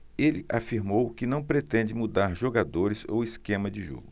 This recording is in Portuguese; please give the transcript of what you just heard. ele afirmou que não pretende mudar jogadores ou esquema de jogo